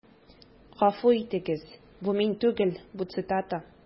Гафу итегез, бу мин түгел, бу цитата.